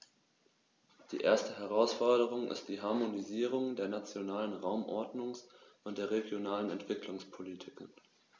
Die erste Herausforderung ist die Harmonisierung der nationalen Raumordnungs- und der regionalen Entwicklungspolitiken.